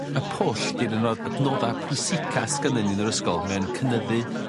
Y pwll 'di'r un o'r adnodda' pwysica sgynnyn ni yn yr ysgol mae o'n cynyddu